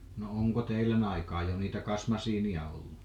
no onko teidän aikaan jo niitä kasmasiineja ollut